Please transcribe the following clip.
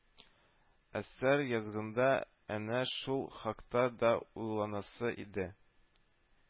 Әсәр язганда әнә шул хакта да уйланасы иде